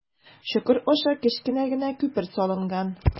Чокыр аша кечкенә генә күпер салынган.